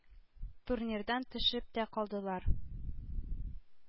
Турнирдан төшеп тә калдылар.